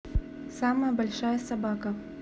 самая большая собака